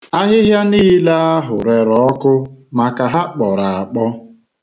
Ahịhịa niile ahụ rere ọkụ maka na ha kpọrọ akpọ.